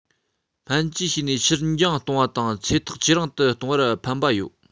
སྨན བཅོས བྱས ནས ཕྱིར འགྱངས གཏོང བ དང ཚེ ཐག ཇེ རིང དུ གཏོང བར ཕན པ ཡོད